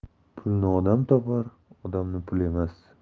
pulni odam topar odamni pul emas